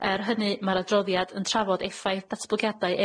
Er hynny ma'r adroddiad yn trafod effaith datblygiadau